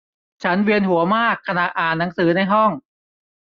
ฉันเวียนหัวมากขณะอ่านหนังสือในห้อง